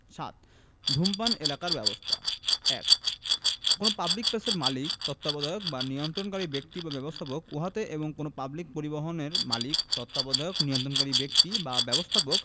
৭ ধূমপান এলাকার ব্যবস্থাঃ ১ কোন পাবলিক প্লেসের মালিক তত্ত্বাবধায়ক বা নিয়ন্ত্রণকারী ব্যক্তি বা ব্যবস্থাপক উহাতে এবং কোন পাবলিক পরিবহণের মালিক তত্ত্বাবধায়ক নিয়ন্ত্রণকারী ব্যক্তি বা ব্যবস্থাপক